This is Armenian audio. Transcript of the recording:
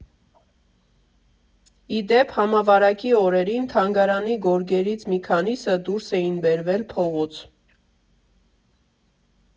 Ի դեպ, համավարակի օրերին թանգարանի գորգերից մի քանիսը դուրս էին բերվել փողոց։